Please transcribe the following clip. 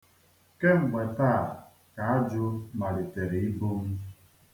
Kemgbe taa ka ajụ malitere ibu m.